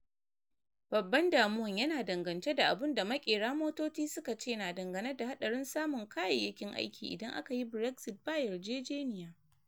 Babban damuwan yana dangance da abun da makera motoci suka ce ne dangane da hadarin samun kayayyakin aiki idan akayi Brexit ba yarjejeniya.